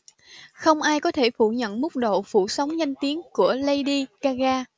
không ai có thể phủ nhận mức độ phủ sóng danh tiếng của lady gaga